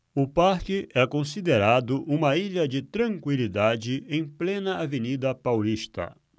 o parque é considerado uma ilha de tranquilidade em plena avenida paulista